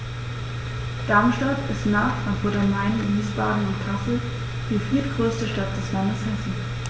Darmstadt ist nach Frankfurt am Main, Wiesbaden und Kassel die viertgrößte Stadt des Landes Hessen